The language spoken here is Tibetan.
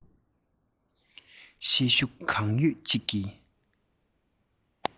ཤེད ཤུགས གང ཡོད ཀྱིས